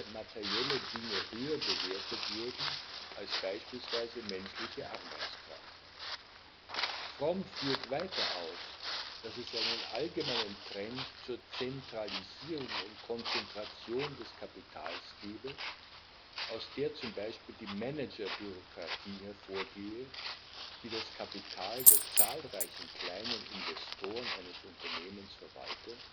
materielle Dinge höher bewertet würden als beispielsweise menschliche Arbeitskraft. Fromm führt weiter aus, dass es einen allgemeinen Trend zur Zentralisierung und Konzentration des Kapitals gebe, aus der z. B. die Managerbürokratie hervorgehe, die das Kapital der zahlreichen kleinen Investoren eines Unternehmens verwalte